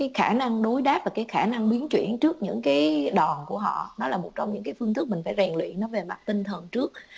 cái khả năng đối đáp và cái khả năng biến chuyển trước những cái đòn của họ đó là một trong những cái phương thức mình phải rèn luyện nó về mặt tinh thần trước